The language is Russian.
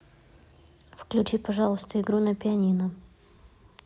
включи пожалуйста игру на пианино